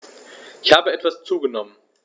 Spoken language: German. Ich habe etwas zugenommen